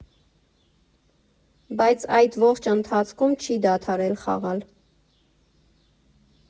Բայց այդ ողջ ընթացքում չի դադարել խաղալ։